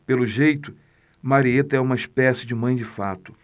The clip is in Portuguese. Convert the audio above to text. pelo jeito marieta é uma espécie de mãe de fato